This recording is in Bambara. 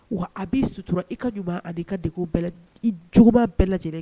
Wa a b'i sutura i ka ɲuman ani k'a degun bɛɛ i juguma bɛɛ lajɛlen.